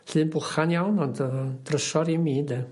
Llun bwchan iawn ond yym drysor i mi ynde.